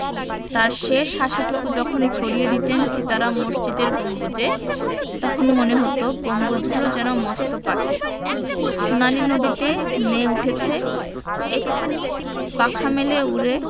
তাঁর শেষ হাসিটুকু যখন ঝরিয়ে দিতেন সিতারা মসজিদের গম্বুজে তখন মনে হতো গম্বুজগুলো যেন মস্ত পাখি সোনালি নদীতে নেয়ে উঠেছে এক্ষুনি পাখা মেলে উড়েতে